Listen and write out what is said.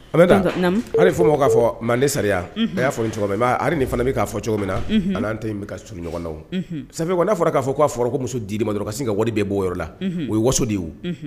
Aminata naam hali fo mɔgɔw k'a fɔɔ Manden charia unhun a y'a fɔ nin cogoya min i m'a y hari ni fana bɛ k'a fɔ cogo min na unhun ani an ta in bɛ ka surun ɲɔgɔn na o unhun safɛ quoi n'a fɔra k'a fɔ ko a fɔra ko muso dir'i ma dɔrɔn ka sen ka wari bɛ bɔ o yɔrɔ la unhun o ye waso de ye o unhun